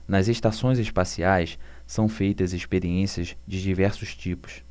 nas estações espaciais são feitas experiências de diversos tipos